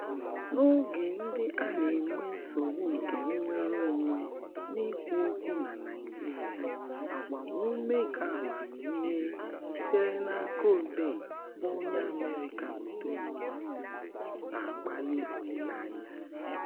N'oge ndị a na-enwe nsogbu nke nnwere onwe n'ikwu okwu na Naịjirịa, agbamume keamamihe sitere n'aka odee bụ onye America bụ Toni Morrison na-akpali olileanya: